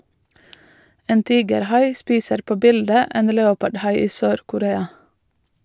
En tigerhai spiser på bildet en leopardhai i Sør-Korea.